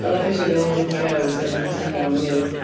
Oeddech chi isio gael nhw wrth y llews, wedyn oeddech chi'n teimlo'n weird.